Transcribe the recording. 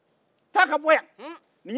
taa ka bɔ yan